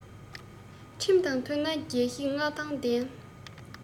ཁྲིམས དང མཐུན ན རྒྱལ གཞིས མངའ ཐང ལྡན